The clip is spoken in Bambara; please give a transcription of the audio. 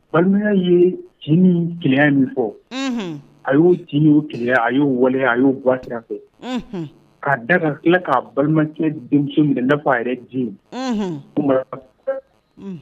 Balimaya yeinin kɛlɛ min fɔ a y'o tinin kɛlɛ a y'o wale a y'o ba fɛ k'a da tila k'a balimati denmuso minɛ dafa a yɛrɛ den